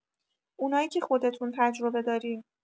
اونایی که خودتون تجربه دارین.